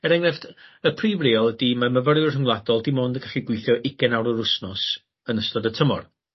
Er enghrefft y y prif reol ydi mae myfyriwr rhyngwladol dim ond yn gallu gweithio ugen awr yr wsnos yn ystod y tymor.